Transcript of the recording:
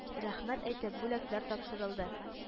Рәхмәт әйтеп, бүләкләр тапшырылды, а